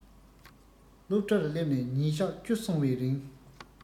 སློབ གྲྭར སླེབས ནས ཉིན གཞག བཅུ སོང བའི རིང